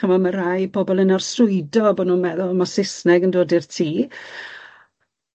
Ch'mo', ma' rai pobol yn arswydo bo' nw'n meddwl ma' Sysneg yn dod i'r tŷ.